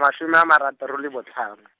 masome a marataro le botlhano.